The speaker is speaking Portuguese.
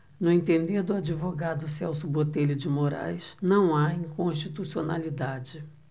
no entender do advogado celso botelho de moraes não há inconstitucionalidade